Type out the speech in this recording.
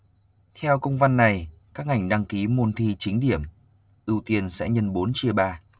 theo công văn này các ngành đăng ký môn thi chính điểm ưu tiên sẽ nhân bốn chia ba